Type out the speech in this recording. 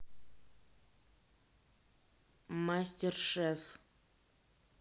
мастер шеф